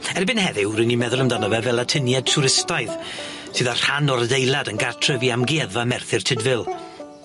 Erbyn heddiw ry'n ni'n meddwl amdano fe fel atyniad twristaidd sydd â rhan o'r adeilad yn gartref i amgueddfa Merthyr Tydfil.